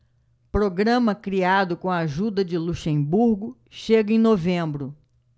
programa criado com a ajuda de luxemburgo chega em novembro